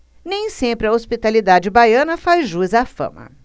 nem sempre a hospitalidade baiana faz jus à fama